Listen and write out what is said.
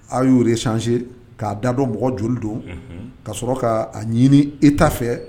A y'o ye sanse k'a dadɔ mɔgɔ joli don ka sɔrɔ k'a ɲini e t ta fɛ